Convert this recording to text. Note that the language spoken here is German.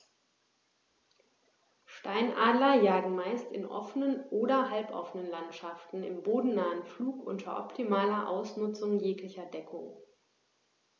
Steinadler jagen meist in offenen oder halboffenen Landschaften im bodennahen Flug unter optimaler Ausnutzung jeglicher Deckung.